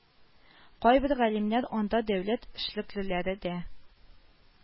Кайбер галимнәр анда дәүләт эшлеклеләре дә